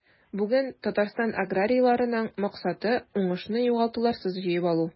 Бүген Татарстан аграрийларының максаты – уңышны югалтуларсыз җыеп алу.